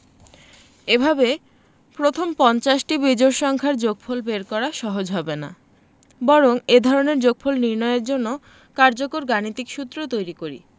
এভাবে প্রথম পঞ্চাশটি বিজোড় সংখ্যার যোগফল বের করা সহজ হবে না বরং এ ধরনের যোগফল নির্ণয়ের জন্য কার্যকর গাণিতিক সূত্র তৈরি করি